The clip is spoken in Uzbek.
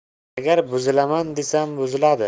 agar buzilaman desam buzuladi